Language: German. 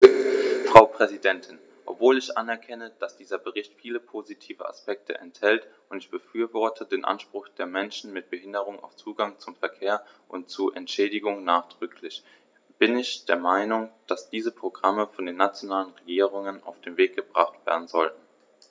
Frau Präsidentin, obwohl ich anerkenne, dass dieser Bericht viele positive Aspekte enthält - und ich befürworte den Anspruch der Menschen mit Behinderung auf Zugang zum Verkehr und zu Entschädigung nachdrücklich -, bin ich der Meinung, dass diese Programme von den nationalen Regierungen auf den Weg gebracht werden sollten.